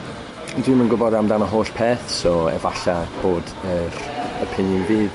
dwi'm yn gwbod amdan y holl peth so efalle bod yr opinion fi